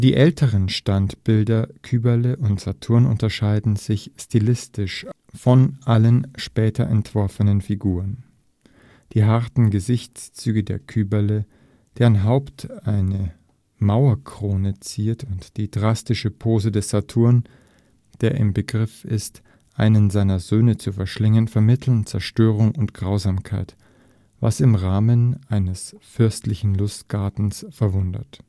älteren Standbilder, Kybele und Saturn, unterscheiden sich stilistisch von allen später entworfenen Figuren. Die harten Gesichtszüge der Kybele, deren Haupt eine Mauerkrone ziert, und die drastische Pose des Saturn, der im Begriffe ist, einen seiner Söhne zu verschlingen, vermitteln Zerstörung und Grausamkeit, was im Rahmen eines fürstlichen Lustgartens verwundert